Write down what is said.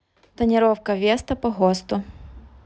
тонировка веста по госту